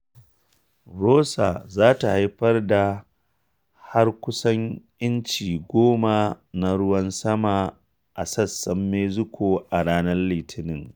Rosa za ta haifar da har kusan inci 10 na ruwan sama a sassan Mexico a ranar Litinin.